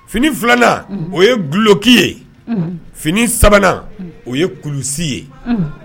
Fini filanan o ye gololoki ye fini sabanan o ye kulusi ye